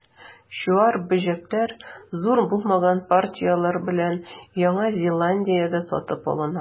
Чуар бөҗәкләр, зур булмаган партияләр белән, Яңа Зеландиядә сатып алына.